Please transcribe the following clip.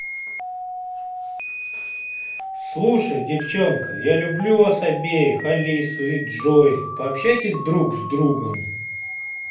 слушай девчонка я люблю вас обеих алису и джой пообщайтесь друг с другом